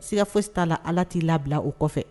Siga fosi t'a Ala t'i labila o kɔfɛ.